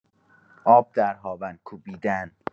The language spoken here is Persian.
آب در هاون کوبیدن